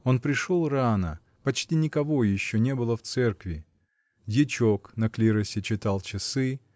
Он пришел рано: почти никого еще не было в церкви дьячок на клиросе читал часы